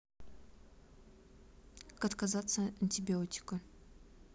как отказаться антибиотика